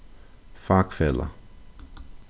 fakfelag